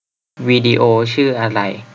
วิดีโอชื่ออะไร